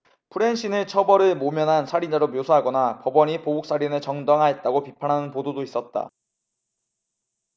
프랜신을 처벌을 모면한 살인자로 묘사하거나 법원이 보복살인을 정당화했다고 비판하는 보도도 있었다